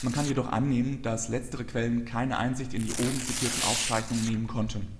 kann jedoch annehmen, dass letztere Quellen keine Einsicht in die oben zitierten Aufzeichnungen nehmen konnten